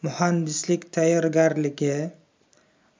muhandislik tayyorgarligi